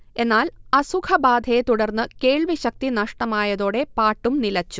എന്നാൽ അസുഖബാധയെ തുടർന്ന് കേൾവിശക്തി നഷ്ടമായതോടെ പാട്ടും നിലച്ചു